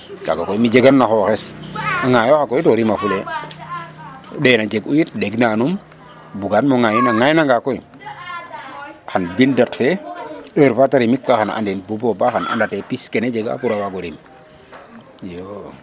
kaaga koy mi' jegan na xooxes a ŋayooxa koy to rimafulee ɗen a jeg'u yit ɗegnanum bugan mo ŋaayin a ŋaaynanga koy xan bin date fe heure fa ta rimikkaa xano andin bu boba xan anddate pis kene jega pour a waag o rim iyo.